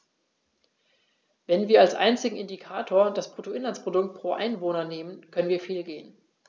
Wenn wir als einzigen Indikator das Bruttoinlandsprodukt pro Einwohner nehmen, können wir fehlgehen.